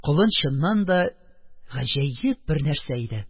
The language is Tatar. Колын чыннан да гаҗәеп бер нәрсә иде: